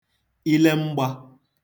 ilemgbā